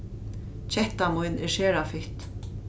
ketta mín er sera fitt